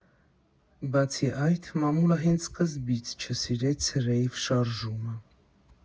Բացի այդ, մամուլը հենց սկզբից չսիրեց ռեյվ շարժումը։